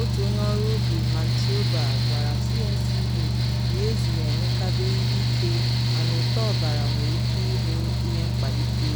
otu onye ọrụ ubi Mantioba gwara CNC News na ezi na emekabe ihe ike mana ụtọ ọbara nwere ike ịbụ “ihe mkpalite.”